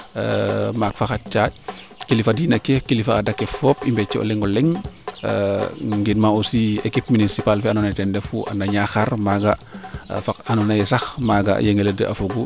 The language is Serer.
maak fo xa caanj kilifa diine ke kilifa ada ke fop i mbeece o leŋo leŋ ngind ma aussi equipe minicipale fe ando naye ten refu na Niakhar fo me ando naye sax maaga yengele 2 a fogu